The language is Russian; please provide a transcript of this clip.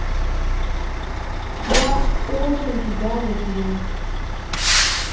я очень тебя люблю